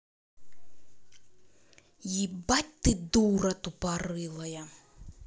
ебать ты дура тупорылая